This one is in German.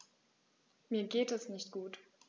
Mir geht es nicht gut.